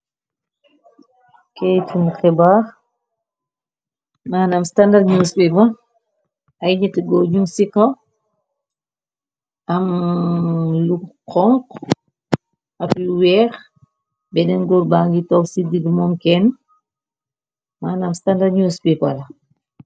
Kaity hebarr maanam standard news paper ay ñeti goo ñu cika am lu konk ab yu weex benneen góorba ngi tow ci dir moom kenn manam standard news papeala.